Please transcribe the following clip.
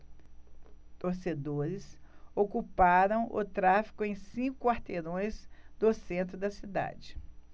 torcedores ocuparam o tráfego em cinco quarteirões do centro da cidade